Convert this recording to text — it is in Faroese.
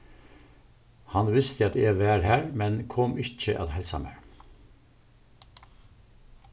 hann visti at eg var har men kom ikki at heilsa mær